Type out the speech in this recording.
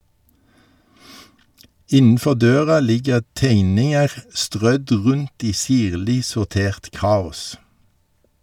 Innenfor døra ligger tegninger strødd rundt i sirlig sortert kaos.